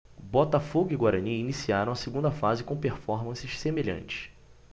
botafogo e guarani iniciaram a segunda fase com performances semelhantes